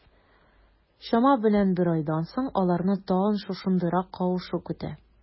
Чама белән бер айдан соң, аларны тагын шушындыйрак кавышу көтә.